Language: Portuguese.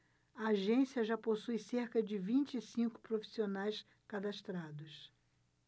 a agência já possui cerca de vinte e cinco profissionais cadastrados